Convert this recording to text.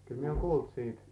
kyllä minä olen kuullut siitä